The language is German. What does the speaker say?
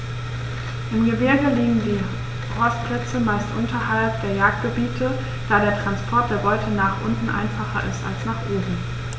Im Gebirge liegen die Horstplätze meist unterhalb der Jagdgebiete, da der Transport der Beute nach unten einfacher ist als nach oben.